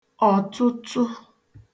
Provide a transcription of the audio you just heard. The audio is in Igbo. ọ̀tụtụ